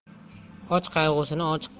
och qayg'usini ochiqqan